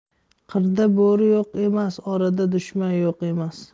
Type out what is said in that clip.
qirda bo'ri yo'q emas orada dushman yo'q emas